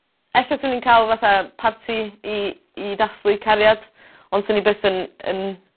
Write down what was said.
ella swn i'n ca'l fatha parti i i dathlu cariad ond swn i byth yn yn